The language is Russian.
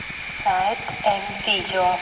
сайт мвидео